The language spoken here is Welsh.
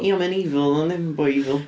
Ia ond mae o'n evil ddo yndi? Mae'n boi evil.